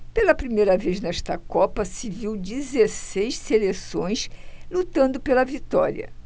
pela primeira vez nesta copa se viu dezesseis seleções lutando pela vitória